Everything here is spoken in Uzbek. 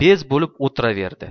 bez bo'lib o'tiraverdi